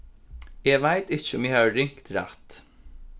eg veit ikki um eg havi ringt rætt